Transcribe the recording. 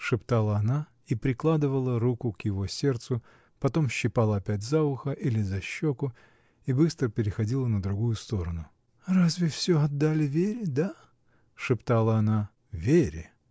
— шептала она и прикладывала руку к его сердцу, потом щипала опять за ухо или за щеку и быстро переходила на другую сторону. — Разве всё отдали Вере: да? — шептала она. — Вере?